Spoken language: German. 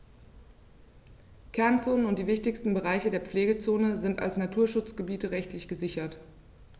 Kernzonen und die wichtigsten Bereiche der Pflegezone sind als Naturschutzgebiete rechtlich gesichert.